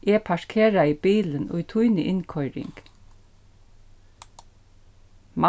eg parkeraði bilin í tíni innkoyring